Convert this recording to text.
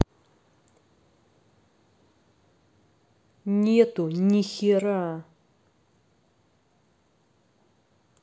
нету нихера